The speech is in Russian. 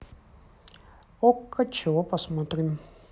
okko чего посмотрим